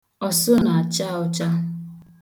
Ọsụ na-acha ọcha.